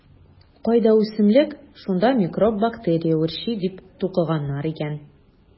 Кайда үсемлек - шунда микроб-бактерия үрчи, - дип тукыганнар икән.